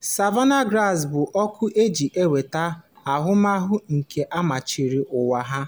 Savannah Grass bụ oku iji nweta ahụmahụ nke ọmarịcha ụwa a.